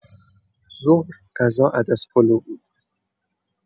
ظهر غذا عدس‌پلو بود.